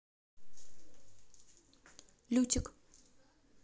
лютик